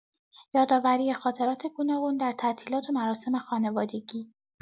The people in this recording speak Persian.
یادآوری خاطرات گوناگون در تعطیلات و مراسم خانوادگی